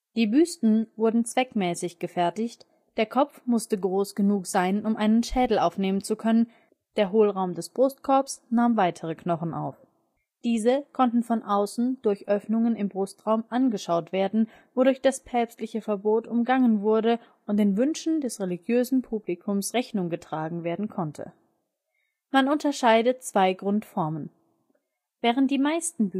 Die Büsten wurden zweckmäßig gefertigt, der Kopf musste groß genug sein, um einen Schädel aufnehmen zu können, der Hohlraum des Brustkorbs nahm weitere Knochen auf. Diese konnten von außen durch Öffnungen im Brustraum angeschaut werden, wodurch das päpstliche Verbot umgangen wurde und den Wünschen des religiösen Publikums Rechnung getragen werden konnte. Man unterscheidet zwei Grundformen: während die meisten